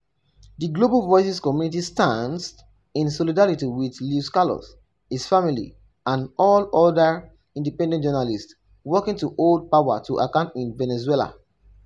The Global Voices community stands in solidarity with Luis Carlos, his family, and all other independent journalists working to hold power to account in Venezuela.